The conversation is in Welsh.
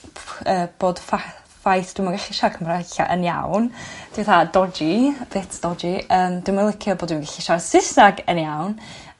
p- ff- yy bod ffa- faith dwi'm yn gallu siarad Cymraeg 'lla yn iawn. Dwi itha dodji bit dodgy. Yym dwi'm yn licio bod dwi'm gallu siarad Sysnag yn iawn.